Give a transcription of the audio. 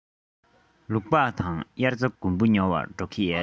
ལུག པགས དང དབྱར རྩྭ དགུན འབུ ཉོ བར འགྲོ གི ཡིན